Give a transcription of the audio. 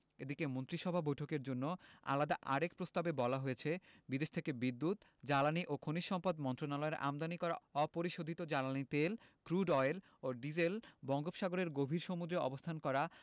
এদিকে মন্ত্রিসভা বৈঠকের জন্য আলাদা আরেক প্রস্তাবে বলা হয়েছে বিদেশ থেকে বিদ্যুৎ জ্বালানি ও খনিজ সম্পদ মন্ত্রণালয়ের আমদানি করা অপরিশোধিত জ্বালানি তেল ক্রুড অয়েল ও ডিজেল বঙ্গোপসাগরের গভীর সমুদ্রে অবস্থান করা